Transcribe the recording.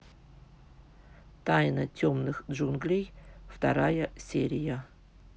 тайна темных джунглей вторая серия